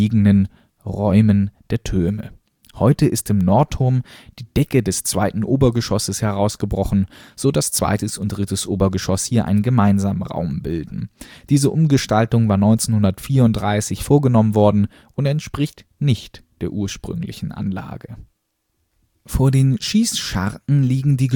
liegenden Räumen der Türme. Heute ist im Nordturm die Decke des zweiten Obergeschosses herausgebrochen, so dass zweites und drittes Obergeschoss hier einen gemeinsamen Raum bilden. Diese Umgestaltung war 1934 vorgenommen worden und entspricht nicht der ursprünglichen Anlage. Vor den Schießscharten liegen die